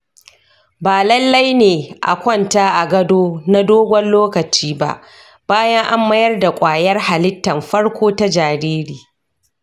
ba lallai ne a kwanta a gado na dogon lokaci ba bayan an mayar da ƙwayar halittan farko ta jariri.